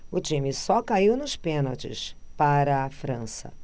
o time só caiu nos pênaltis para a frança